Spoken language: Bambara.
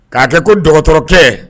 K'a kɛ ko dɔgɔtɔrɔkɛ